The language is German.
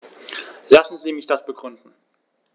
Lassen Sie mich das begründen.